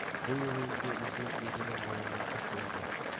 Бу юлы инде үзе иренең муенына асылынды